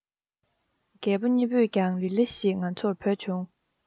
རྒད པོ གཉིས པོས ཀྱང ལི ལི ཞེས ང ཚོར བོས བྱུང